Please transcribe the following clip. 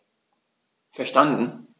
Verstanden.